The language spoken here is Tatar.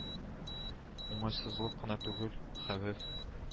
Уңайсызлык кына түгел, хәвеф